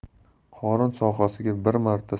qorin sohasiga bir marta